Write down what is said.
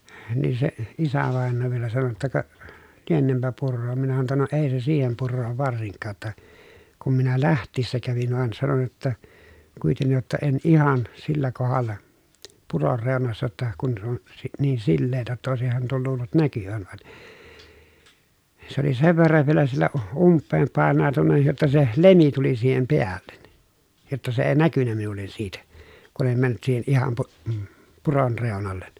niin se isävainaja vielä sanoi jotta ka lienenpä puroon minä sanoin jotta no ei se siihen puroon varsinkaan jotta kun minä lähtiessä kävin vaan sanoin jotta kuitenkin jotta en ihan sillä kohdalla puron reunassa jotta kun se on - niin sileää että olisihan tuon luullut näkyvän vaan se oli sen verran vielä siellä umpeen painautunut jotta se lemi tuli siihen päälle jotta se ei näkynyt minulle siitä kun en mennyt siihen ihan - puron reunalle